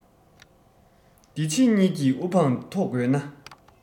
འདི ཕྱི གཉིས ཀྱི དབུ འཕངས མཐོ དགོས ན